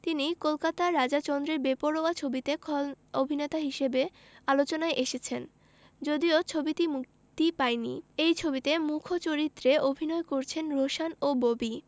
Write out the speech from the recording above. যিনি কলকাতার রাজা চন্দের বেপরোয়া ছবিতে খল অভিননেতা হিসেবে আলোচনায় এসেছেন যদিও ছবিটি মুক্তি পায়নি এই ছবিতে মূখ চরিত্রে অভিনয় করছেন রোশান ও ববি